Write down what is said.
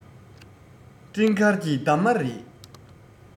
སྤྲིན དཀར གྱི འདབ མ རེད